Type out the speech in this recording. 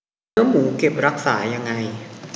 เนื้อหมูเก็บรักษายังไง